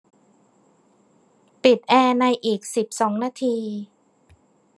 ปิดแอร์ในอีกสิบสองนาที